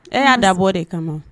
E y'a dabɔ de kama